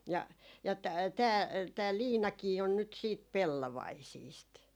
ja ja tämä tämä liinakin on nyt sitten pellovaisista